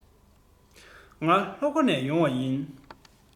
ང ལྷོ ཁ ནས ཡོང པ ཡིན